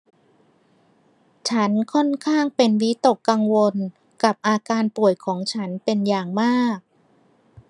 ฉันค่อนข้างเป็นวิตกกังวลกับอาการป่วยของฉันเป็นอย่างมาก